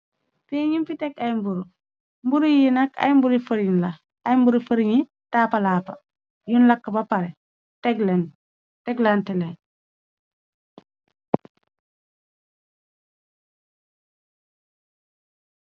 Fi nung fi tek ay mburu, mburu yi nakk ay mburi fërin la. Ay mburi fërin ngi taapalaapa yun lakk ba pareh teglen teglanteleen.